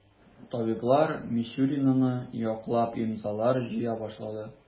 Табиблар Мисюринаны яклап имзалар җыя башлады.